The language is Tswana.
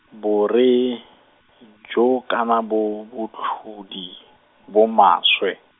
bore, jo kana bo botlhodi, bo maswe.